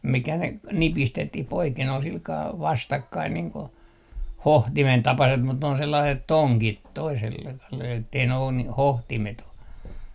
mikä ne - nipistettiin poiken oli sillä kalella vastakkain niin kuin hohtimen tapaiset mutta ne on sellaiset tongit - että ei ne ole - hohtimet ole